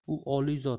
u oliy zot